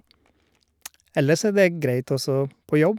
Ellers så er det greit også på jobb.